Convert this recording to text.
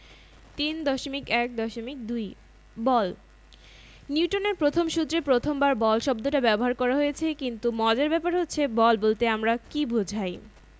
কিন্তু যেহেতু এটা পদার্থবিজ্ঞানের বই তাই আমরা এখানে শক্তি কথাটা ব্যবহার করতে পারব না পদার্থবিজ্ঞানের ভাষায় শক্তি সম্পূর্ণ ভিন্ন একটা রাশি